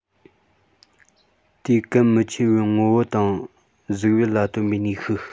དེས གལ མི ཆེ བའི ངོ བོ དང གཟུགས དབྱིབས ལ བཏོན པའི ནུས ཤུགས